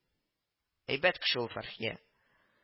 Әйбәт кеше ул Фәрхия